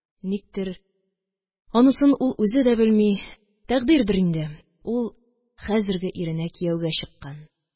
Никтер, анысын ул үзе дә белми, тәкъдирдер инде, ул хәзерге иренә кияүгә чыккан